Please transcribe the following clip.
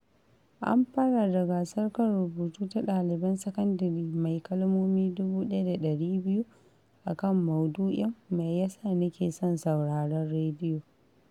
An fara da gasar kan rubutu ta ɗaliban sakandire mai kalmomi 1,200 a kan maudu'in ''me ya sa nake son sauraran rediyo”